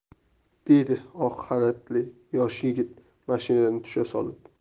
dedi oq xalatli yosh yigit mashinadan tusha solib